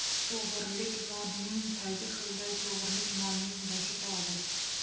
o'g'irlik morning tagi qilday to'g'rilik molning boshi tog'day